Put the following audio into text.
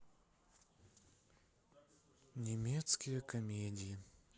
немецкие комедии